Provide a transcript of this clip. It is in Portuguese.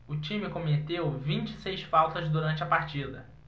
o time cometeu vinte e seis faltas durante a partida